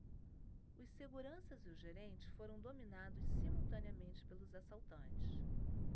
os seguranças e o gerente foram dominados simultaneamente pelos assaltantes